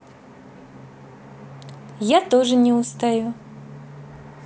я тоже не устаю